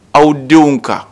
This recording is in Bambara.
Aw denw kan